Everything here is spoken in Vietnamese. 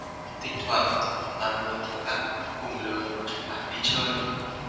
thỉnh thoảng toán mới theo bạn cùng lứa trong bản đi chơi